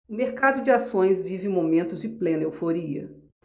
o mercado de ações vive momentos de plena euforia